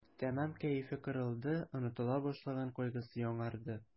Тәмам кәефе кырылды, онытыла башлаган кайгысы яңарды.